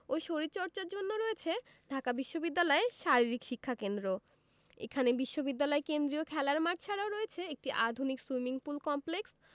ও শরীরচর্চার জন্য রয়েছে ঢাকা বিশ্ববিদ্যালয়ে শারীরিক শিক্ষাকেন্দ্র এখানে বিশ্ববিদ্যালয় কেন্দ্রীয় খেলার মাঠ ছাড়াও রয়েছে একটি আধুনিক সুইমিং পুল কমপ্লেক্স